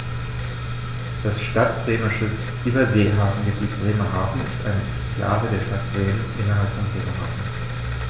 Das Stadtbremische Überseehafengebiet Bremerhaven ist eine Exklave der Stadt Bremen innerhalb von Bremerhaven.